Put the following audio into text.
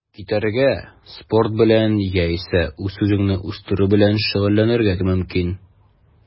Китәргә, спорт белән яисә үз-үзеңне үстерү белән шөгыльләнергә мөмкин.